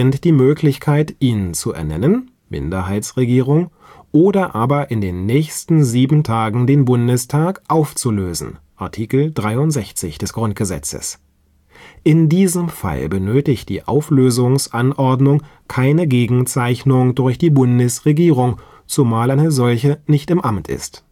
die Möglichkeit, ihn zu ernennen (Minderheitsregierung) oder aber in den nächsten sieben Tagen den Bundestag aufzulösen (Art. 63 des Grundgesetzes). In diesem Fall benötigt die Auflösungsanordnung keine Gegenzeichnung durch die Bundesregierung, zumal eine solche nicht im Amt ist